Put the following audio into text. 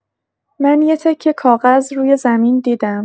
من یه تکه کاغذ روی زمین دیدم.